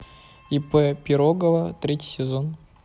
ип пирогова третий сезон